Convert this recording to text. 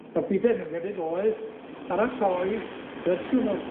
A'r diben ma'n tebyg oedd baratoi fersiwn o'r